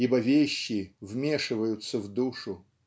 Ибо вещи вмешиваются в душу.